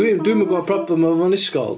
Dwi'm yn gweld problem efo fo'n ysgol.